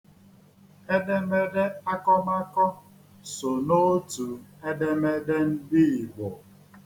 Edemede akọmakọ so n'otu edemede ndị Igbo.